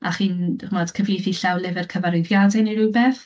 A chi'n d- chimod cyfieithu llawlyfr cyfarwyddiadau neu rywbeth.